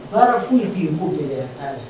Baara foyi tɛ yen ko gɛlɛya t'a la.